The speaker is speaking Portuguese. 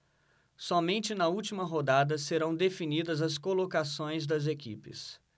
somente na última rodada serão definidas as colocações das equipes